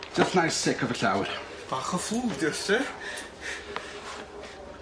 Jys 'llnai'r sic off y llawr. Bach o flw 'di o sir.